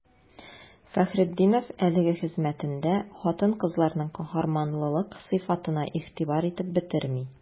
Фәхретдинов әлеге хезмәтендә хатын-кызларның каһарманлылык сыйфатына игътибар итеп бетерми.